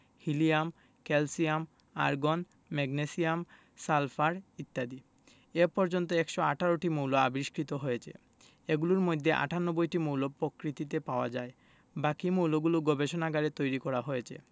helium calcium argon magnesium sulphur ইত্যাদি এ পর্যন্ত ১১৮টি মৌল আবিষ্কৃত হয়েছে এগুলোর মধ্যে ৯৮টি মৌল পকৃতিতে পাওয়া যায় বাকি মৌলগুলো গবেষণাগারে তৈরি করা হয়েছে